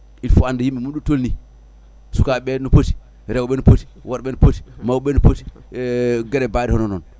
il faut anda yimɓe mum ɗo tolni sukaɓe no pooti rewɓe no pooti worɓe nopooti mawɓe no pooti e gueɗe baaɗe hono noon